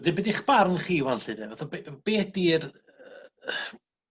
'Dyn be' 'di'ch barn chi 'wan 'lly 'de fatha be yy be' ydi'r yy